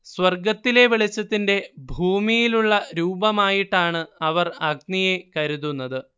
സ്വർഗത്തിലെ വെളിച്ചത്തിന്റെ ഭൂമിയിലുള്ള രൂപമായിട്ടാണ് അവർ അഗ്നിയെ കരുതുന്നത്